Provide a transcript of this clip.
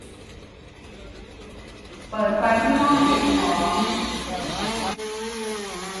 เปิดไฟที่ห้องเก็บของ